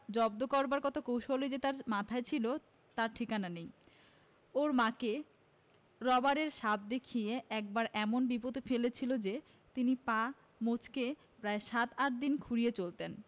জব্দ করবার কত কৌশলই যে তার মাথায় ছিল তার ঠিকানা নেই ওর মাকে রবারের সাপ দেখিয়ে একবার এমন বিপদে ফেলেছিল যে তিনি পা মচ্কে প্রায় সাত আটদিন খুঁড়িয়ে চলতেন